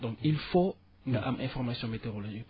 donc il faut nga am information météorologie